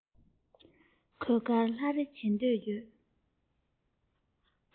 གོས དཀར ལྷ ཆེ བྱེད འདོད ཡོད